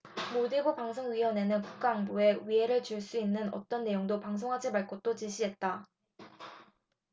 몰디브 방송위원회는 국가안보에 위해를 줄 수 있는 어떤 내용도 방송하지 말 것도 지시했다